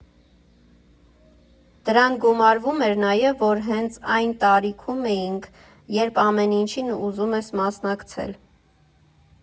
Դրան գումարվում էր նաև, որ հենց այն տարիքում էինք, երբ ամեն ինչին ուզում ես մասնակցել։